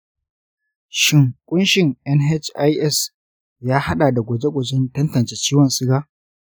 shin ƙunshin nhis ya haɗa da gwaje-gwajen tantance ciwon suga?